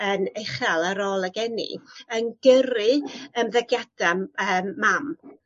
yn uchel ar ôl y geni yn gyrru ymddygiada m- yym mam